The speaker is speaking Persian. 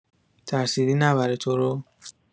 ترسیدی نبره تو رو؟!